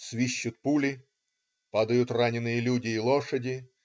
Свищут пули, падают раненые люди и лошади.